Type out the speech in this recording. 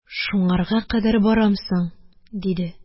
– шуңарга кадәр барамсың? – диде.